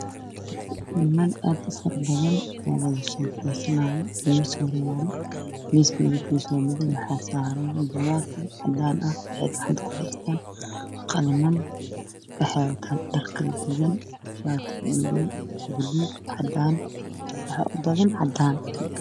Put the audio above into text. Waa hool waxaa iskugu imaaday niman booliska